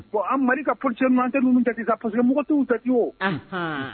Bon an Mali ka politicien ninnu an tɛ ninnu jate sa parce que mɔgɔ t'u jati o anhan